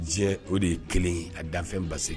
Diɲɛ o de ye kelen a danfɛn ba se